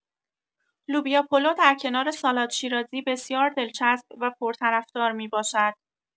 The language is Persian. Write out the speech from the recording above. لوبیاپلو در کنار سالاد شیرازی بسیار دلچسب و پرطرفدار می‌باشد.